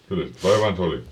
kyllä niistä vaivansa oli